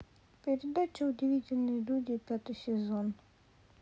передача удивительные люди пятый сезон